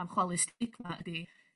Am chwalu stigma ydy